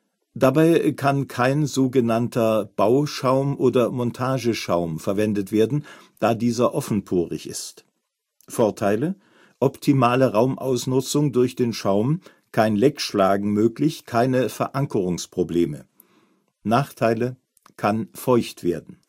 Dabei kann kein sogenannter Bauschaum oder Montageschaum verwendet werden, da dieser offenporig ist. Vorteile: optimale Raumausnutzung durch den Schaum, kein Leckschlagen möglich, keine Verankerungsprobleme Nachteile: kann feucht werden